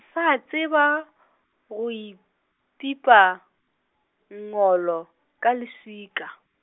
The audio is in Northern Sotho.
sa tseba, go i bipa, ngolo, ka leswika.